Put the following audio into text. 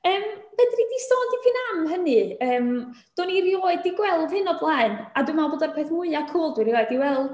Yym, fedri di sôn dipyn am hynny? Yym, do'n i 'rioed 'di gweld hyn o blaen, a dwi'n meddwl bod o'r peth mwya cŵl dwi 'rioed 'di weld.